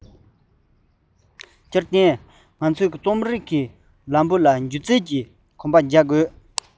དེར བརྟེན ང ཚོས རྩོམ རིག གི ལམ བུ ལ སྒྱུ རྩལ གྱི གོམ པ རྒྱག དགོས ན